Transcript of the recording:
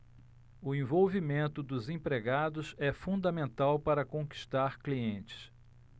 o envolvimento dos empregados é fundamental para conquistar clientes